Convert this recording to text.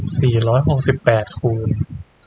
สี่ร้อยหกสิบแปดคูณ